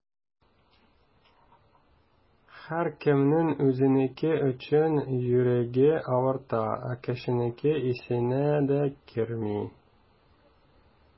Һәркемнең үзенеке өчен йөрәге авырта, ә кешенеке исенә дә керми.